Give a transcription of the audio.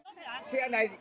này